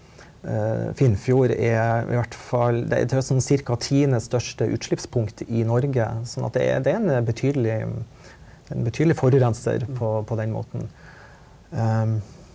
Finnfjord er i hvert fall det det er sånn ca. tiende største utslippspunkt i Norge sånn at det er det er en betydelig en betydelig forurenser på på den måten .